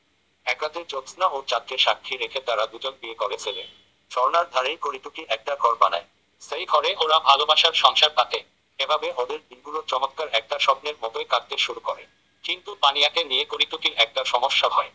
একরাতে জ্যোৎস্না ও চাঁদকে সাক্ষী রেখে তারা দুজন বিয়ে করে ফেলে ঝরনার ধারেই করিটুকি একটা ঘর বানায় সেই ঘরে ওরা ভালোবাসার সংসার পাতে এভাবে ওদের দিনগুলো চমৎকার একটা স্বপ্নের মতোই কাটতে শুরু করে কিন্তু পানিয়াকে নিয়ে করিটুকির একটা সমস্যা হয়